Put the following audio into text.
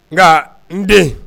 Nka n den